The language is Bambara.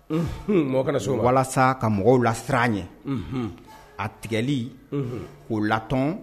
Mɔgɔ walasa ka mɔgɔw la siran an ye a tigɛli k'o laton